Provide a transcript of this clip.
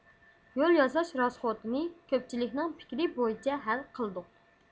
يول ياساش راسخوتىنى كۆپچىلىكنىڭ پىكىرى بويىچە ھەل قىلدۇق